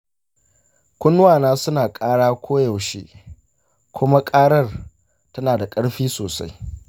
kunnuwana suna ƙara koyaushe kuma ƙarar tana da ƙarfi sosai.